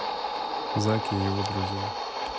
заки и его друзья